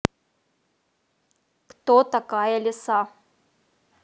кто такая лиса